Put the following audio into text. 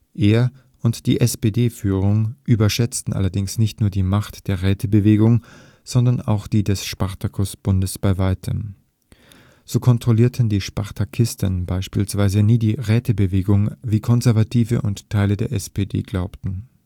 Er und die SPD-Führung überschätzten allerdings nicht nur die Macht der Rätebewegung, sondern auch die des Spartakusbundes bei weitem. So kontrollierten die Spartakisten beispielsweise nie die Rätebewegung, wie Konservative und Teile der SPD glaubten